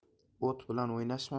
o't bilan o'ynashma